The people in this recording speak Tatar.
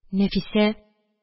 Нәфисә: